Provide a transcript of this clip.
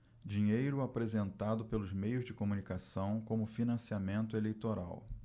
dinheiro apresentado pelos meios de comunicação como financiamento eleitoral